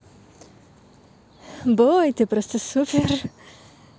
бой ты просто супер